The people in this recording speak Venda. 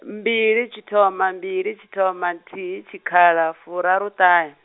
mbili tshithoma mbili tshithoma nthihi tshikhala furaruṱahe.